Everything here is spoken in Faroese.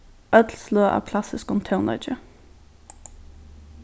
øll sløg av klassiskum tónleiki